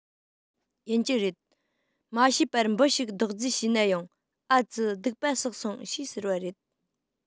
ཡིན གྱི རེད མ ཤེས པར འབུ ཞིག རྡོག རྫིས བྱས ན ཡང ཨ ཙི སྡིག པ བསགས སོང ཞེས ཟེར བ རེད